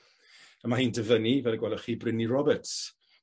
A ma' hi'n dyfynnu fel y gwelwch chi Brynleu Roberts.